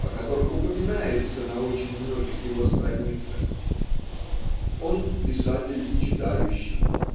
о которых упоминается на очень многих его страницах. Он -- писатель читающий.